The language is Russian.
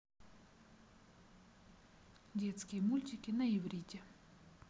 детские мультики на иврите